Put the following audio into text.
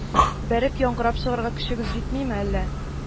Бәреп яңгырап чыгарга көчегез җитмиме Әллә